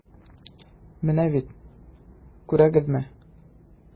Менә бит, күрәсезме.